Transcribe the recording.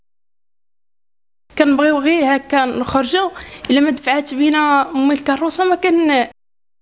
كمبيوتر فيها كان خرجوا اللي ما دفعت بينام الكروس ممكن